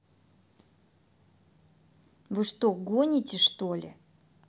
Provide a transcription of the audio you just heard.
вы что гоните что ли